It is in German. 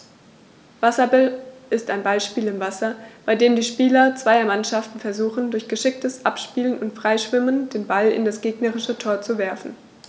Wasserball ist ein Ballspiel im Wasser, bei dem die Spieler zweier Mannschaften versuchen, durch geschicktes Abspielen und Freischwimmen den Ball in das gegnerische Tor zu werfen.